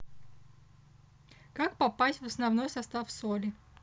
как попасть в основной состав соли